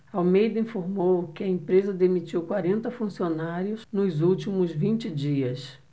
almeida informou que a empresa demitiu quarenta funcionários nos últimos vinte dias